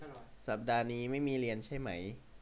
สัปดาห์นี้ไม่มีเรียนใช่ไหม